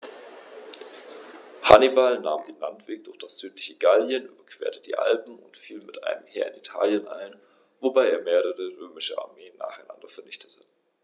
Hannibal nahm den Landweg durch das südliche Gallien, überquerte die Alpen und fiel mit einem Heer in Italien ein, wobei er mehrere römische Armeen nacheinander vernichtete.